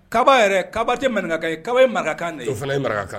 Kaaba yɛrɛ, kaaba tɛ manikakan ye, kaaba ye marakakan de ye. O fana ye marakakan